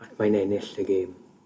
ac mae'n ennill y gêm.